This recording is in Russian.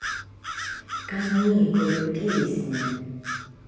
каникулы песня